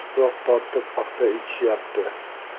tuproq tortib paxta ekishyapti